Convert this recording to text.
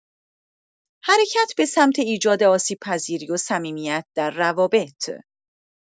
حرکت به سمت ایجاد آسیب‌پذیری و صمیمیت در روابط